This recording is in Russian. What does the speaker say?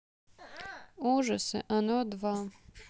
ужасы оно два